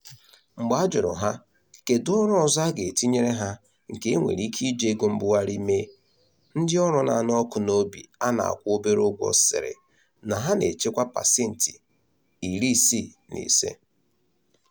Mgbe a jụrụ ha kedu ọrụ ọzọ a ga-etinyere ha nke enwere ike iji ego mbugharị mee, ndị ọrụ na-anụ ọkụ n'obi a na-akwụ obere ụgwọ sịrị na ha na-echekwa paseniti 65%.